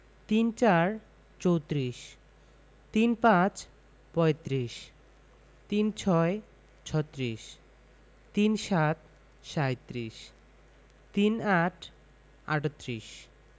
৩৪ - চৌত্রিশ ৩৫ - পঁয়ত্রিশ ৩৬ - ছত্রিশ ৩৭ - সাঁইত্রিশ ৩৮ - আটত্রিশ